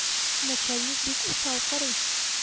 Начальник бик усал карый.